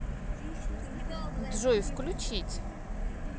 джой включить